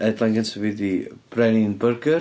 Headline gynta fi 'di brenin byrgyr.